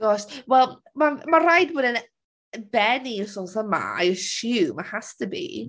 Gosh wel ma'n ma'n rhaid bod e'n yy bennu'r wythnos yma I assume. It has to be.